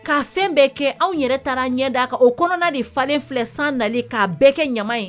Ka fɛn bɛɛ kɛ anw yɛrɛ taara ɲɛ d' kan o kɔnɔna de falen filɛ san na k'a bɛɛ kɛ ɲama in